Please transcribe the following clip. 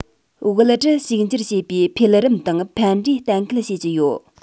དབུལ བྲལ ཕྱུག འགྱུར བྱེད པའི འཕེལ རིམ དང ཕན འབྲས གཏན འཁེལ བྱེད ཀྱི ཡོད